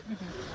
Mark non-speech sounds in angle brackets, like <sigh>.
<hesitation> <hesitation>